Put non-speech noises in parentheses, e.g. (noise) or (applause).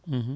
(hesitation) (hesitation)